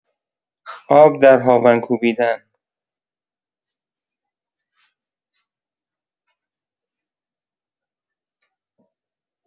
آب در هاون کوبیدن